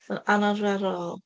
ond anarferol?